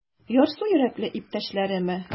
Ярсу йөрәкле иптәшләреме?